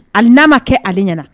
Hali n'a ma kɛ ale ɲɛna